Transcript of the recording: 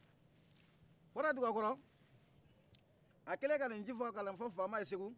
kɔrɛ duga kɔrɔ a kɛle ka nin ci fɔ ka nin fɔ fama ye segu